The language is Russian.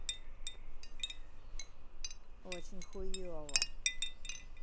очень хуево